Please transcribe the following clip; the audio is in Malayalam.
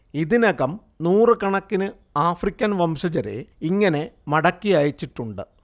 ഇതിനകം നൂറു കണക്കിന് ആഫ്രിക്കൻ വംശജരെ ഇങ്ങനെ മടക്കി അയച്ചിട്ടുണ്ട്